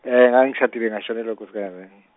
e- ngangishadile ngashonelwa ngunkosikazi.